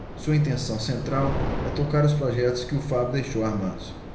sua intenção central é tocar os projetos que o fábio deixou armados